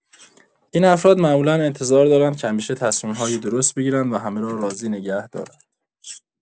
این افراد معمولا انتظار دارند که همیشه تصمیم‌های درست بگیرند و همه را راضی نگه دارند.